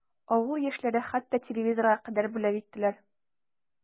Авыл яшьләре хәтта телевизорга кадәр бүләк иттеләр.